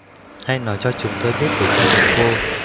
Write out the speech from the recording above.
hãy nói cho chúng tôi biết về gia đình cô